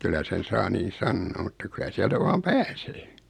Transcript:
kyllä sen saa niin sanoa mutta kyllä sieltä vain pääsee